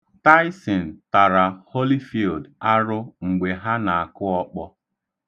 Tyson tara Holyfield arụ mgbe ha na-akụ ọkpọ.